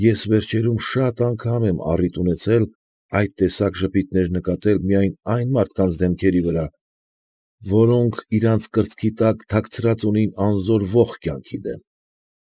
Ես վերջերում շատ անգամ եմ առիթ ունեցել այդ տեսակ ժպիտներ նկատել միայն այն մարդկանց դեմքերի վրա, որոնք իրանց կրծքի տակ թաքցրած ունին անզոր ոխ կյանքի դեմ։